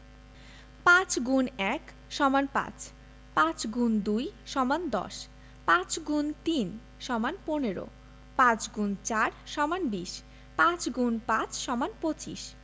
৫× ১ = ৫ ৫× ২ = ১০ ৫× ৩ = ১৫ ৫× ৪ = ২০ ৫× ৫ = ২৫